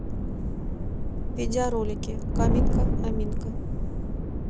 видеоролики камилка аминка